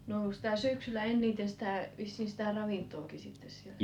no onko sitä syksyllä eniten sitä vissiin sitä ravintoakin sitten siellä